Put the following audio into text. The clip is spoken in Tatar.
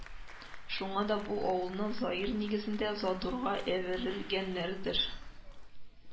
Шуңа да бу авылны заир нигезендә задурга әверелгәннәрдер